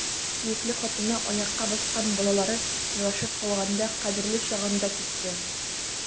Сөекле хатыны, аякка баскан балалары елашып калганда — кадерле чагында китте!